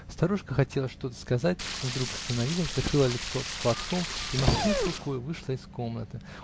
Старушка хотела что-то сказать, но вдруг остановилась, закрыла лицо платком и, махнув рукою, вышла из комнаты.